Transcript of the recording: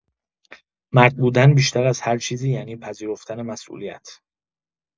مرد بودن بیشتر از هر چیزی، یعنی «پذیرفتن مسئولیت»؛